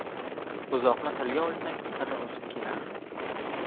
buzoqni tilga olsang ipini uzib kelar